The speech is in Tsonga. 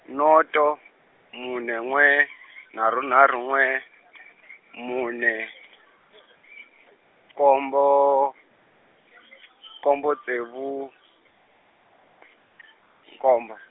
noto, mune n'we , nharu nharu n'we , mune, nkombo , nkombo, ntsevu, nkombo.